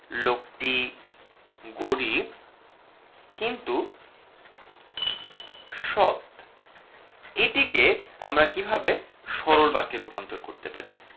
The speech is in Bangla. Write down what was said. লোকটি গরিব কিন্তু সৎ এটিকে আমরা কিভাবে সরল বাক্যে রূপান্তর করতে পারি